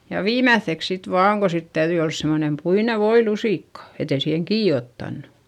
ja viimeiseksi sitten vain kun sitten täytyi olla semmoinen puinen voilusikka että ei siihen kiinni ottanut